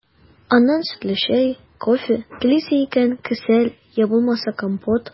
Аннан сөтле чәй, кофе, телисең икән – кесәл, йә булмаса компот.